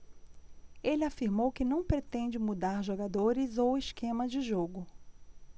ele afirmou que não pretende mudar jogadores ou esquema de jogo